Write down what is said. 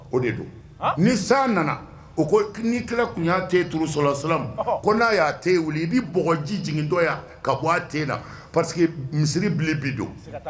O de don ,hann, ni san nana u ko nii kira tun y'a ten turu sɔla allaahu alyeihi wa sallama ko n'a y'a ten wuli, i bɛ bɔgɔji jigintɔ ye ka bɔ a na parce que misiri bile bɛ don, sika t'a la